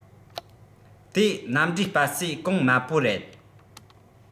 དེའི གནམ གྲུའི སྤ སེ གོང དམའ པོ རེད